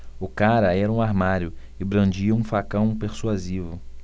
o cara era um armário e brandia um facão persuasivo